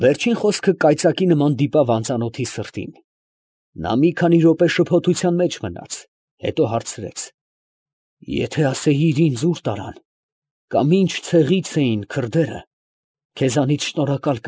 Վերջին խոսքը կայծակի նման դիպավ անծանոթի սրտին. նա մի քանի րոպե շփոթության մեջ մնաց, հետո հարցրեց. ֊ Եթե ասեիր ինձ՝ ո՛ւր տարան, կամ ի՛նչ ցեղից էին քրդերը, քեզանից շնորհակալ։